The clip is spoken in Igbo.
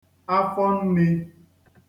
afọ nnī